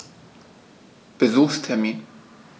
Besuchstermin